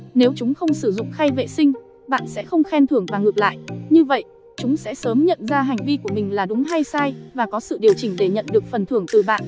nếu chúng không sử dụng khay vệ sinh bạn sẽ không khen thưởng và ngược lại như vậy chúng sẽ sớm nhận ra hành vi của mình là đúng hay sai và có sự điều chỉnh để nhận được phần thưởng từ bạn